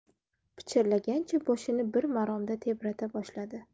pichirlagancha boshini bir maromda tebrata boshladi